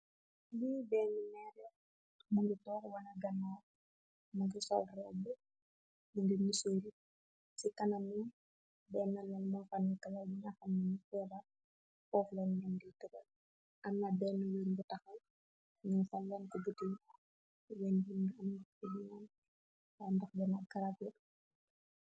lii denn neerot mulu toox wana gano magrisold robb yindi missuri ci kana mu denn na monxannitawa ñaxaanu ferax xooxloon yamri tëral amna denn wen bu taxal ñuo fallan ku butina wenn yin am idnoon wa ndax benna karakye